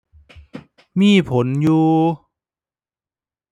มีผลอยู่